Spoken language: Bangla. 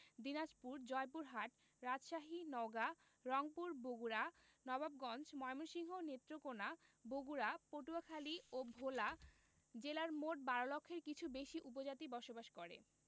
দিনাজপুর জয়পুরহাট রাজশাহী নওগাঁ রংপুর বগুড়া নবাবগঞ্জ ময়মনসিংহ নেত্রকোনা বরগুনা পটুয়াখালী ও ভোলা জেলায় মোট ১২ লক্ষের কিছু বেশি উপজাতি বসবাস করে